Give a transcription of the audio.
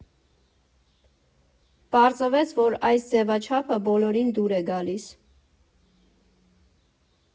Պարզվեց, որ այս ձևաչափը բոլորին դուր է գալիս։